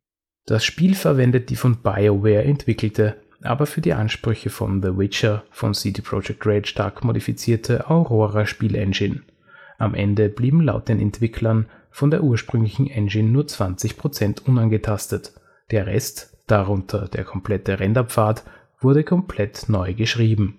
Das Spiel verwendet die von BioWare entwickelte, aber für die Ansprüche von The Witcher von CD Projekt RED stark modifizierte Aurora-Spielengine. Am Ende blieben laut den Entwicklern von der ursprünglichen Engine nur rund 20 % unangetastet, der Rest, darunter der komplette Renderpfad, wurde komplett neu geschrieben